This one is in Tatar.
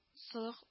Солых